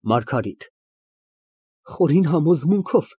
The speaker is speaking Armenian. ՄԱՐԳԱՐԻՏ ֊ Խորին համոզմունքով։